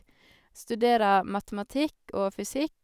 Studerer matematikk og fysikk.